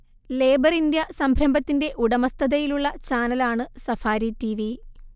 labour India സംരംഭത്തിന്റെ ഉടമസ്ഥതയിലുള്ള ചാനലാണ് സഫാരി ടിവി